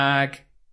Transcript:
Ag